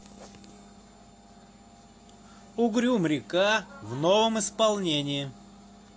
угрюм река в новом исполнении